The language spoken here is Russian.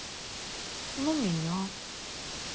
ну меня